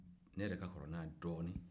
ne yɛrɛ ka kɔrɔ n'a ye dɔɔnin